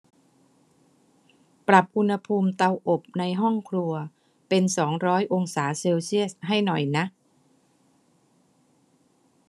ปรับอุณหภูมิเตาอบในห้องครัวเป็นสองร้อยองศาเซลเซียสให้หน่อยนะ